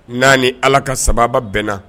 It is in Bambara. N'a ni ala ka sababa bɛnna.